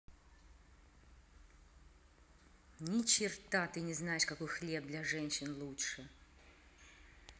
ни черта ты не знаешь какой хлеб для женщин лучше